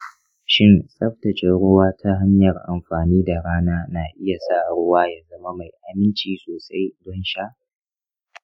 shin tsaftace ruwa ta hanyar amfani da rana na iya sa ruwa ya zama mai aminci sosai don sha?